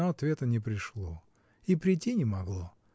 но ответа не пришло, -- и прийти не могло.